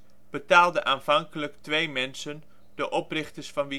betaalde aanvankelijk twee mensen, de oprichters van